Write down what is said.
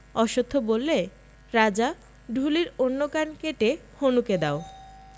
অশ্বখ বললে রাজা ঢুলির অন্য কান কেটে হনুকে দাও